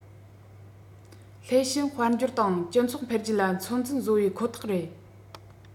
སླད ཕྱིན དཔལ འབྱོར དང སྤྱི ཚོགས འཕེལ རྒྱས ལ ཚོད འཛིན བཟོ བའི ཁོ ཐག རེད